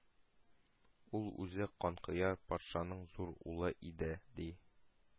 Ул үзе Канкояр патшаның зур улы иде, ди.